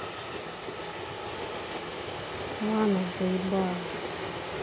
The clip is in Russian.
lana заебала